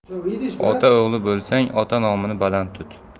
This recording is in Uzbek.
ota o'g'li bo'lsang ota nomini baland tut